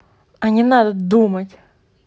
а не надо думать